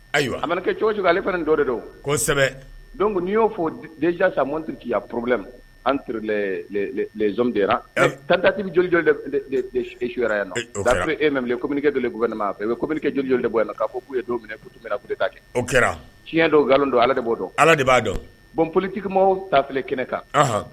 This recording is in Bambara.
Ayiwa a kɛ cogo ale dɔ don kosɛbɛ don n'i y'o fɔzja samtitigiya porolɛ an te tatatiolijɔyara yan na taa to e mɛn kokɛ donelema a fɛ bɛ kokɛ joli de b' la' fɔ don minɛ o kɛra tiɲɛ dɔw nkalon don ala de b' dɔn ala de b'a dɔn bɔnolitima tap kɛnɛ kan